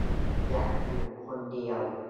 อยากอยู่คนเดียว